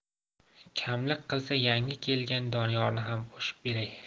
kamlik qilsa yangi kelgan doniyorni ham qo'shib beray